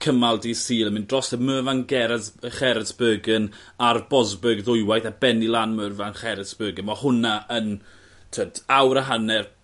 cymal dydd Sul yn mynd dros y Mer van Jeres Ucheres Bergen a'r Bosberg ddwywaith a bennu lan mewn van Jeresberg a ma' hwnna yn t'wod awr a hanner